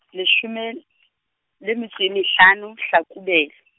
leshome , le metso e mehlano, Hlakubele.